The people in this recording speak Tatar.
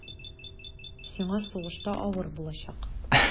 Сиңа сугышта авыр булачак.